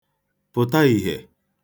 pụ̀ta ìhiè